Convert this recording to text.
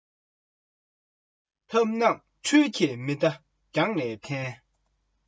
ཐབས རྣམས འཕྲུལ གྱི མེ མདའ རྒྱང ནས འཕེན